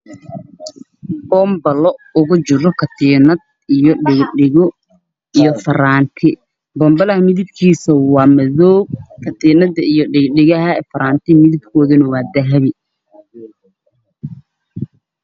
Pompolo ugu jiro katiinaad iyo dhago bambalaa midiggiisu waa madow ka tiinadda iyo dhagaha iyo faraantiga midabkooda waa daabi